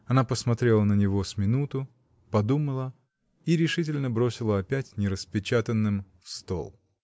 Она посмотрела на него с минуту, подумала — и решительно бросила опять нераспечатанным в стол.